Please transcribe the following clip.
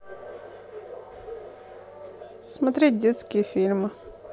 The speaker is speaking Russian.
смотреть детские фильмы